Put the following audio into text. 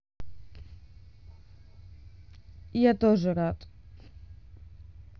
я тоже рад